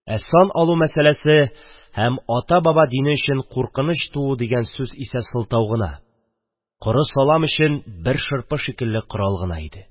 Ә сан алу мәсәләсе һәм ата-баба дине өчен куркыныч туу дигән сүз исә сылтау гына – коры салам өчен бер шырпы шикелле корал гына иде.